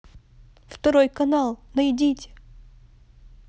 второй канал найдите